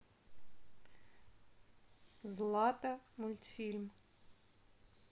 злата мультфильм